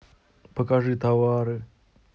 покажи товары